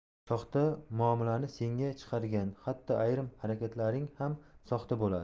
soxta muomalani senga chiqargan hatto ayrim harakatlaring ham soxta bo'ladi